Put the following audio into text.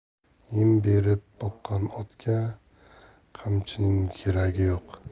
yem berib boqqan otga qamchining keragi yo'q